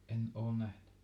en ole nähnyt